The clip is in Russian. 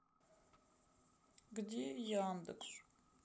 где яндекс